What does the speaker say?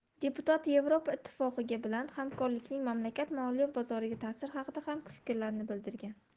deputat yevropa ittifoqiga bilan hamkorlikning mamlakat moliya bozoriga ta'siri haqida ham fikrlarini bildirgan